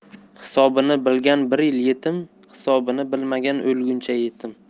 hisobini bilgan bir yil yetim hisobini bilmagan o'lguncha yetim